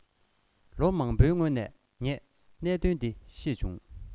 ལོ མང པོའི སྔོན ནས ངས གནད དོན དེ ཤེས བྱུང